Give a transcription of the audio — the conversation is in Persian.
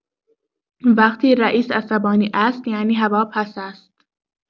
وقتی رئیس عصبانی است یعنی هوا پس است.